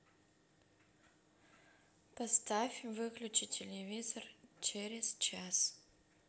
поставь выключи телевизор через час